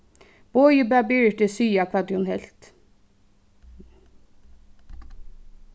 bogi bað biritu siga hvat ið hon helt